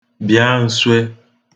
bịa nswe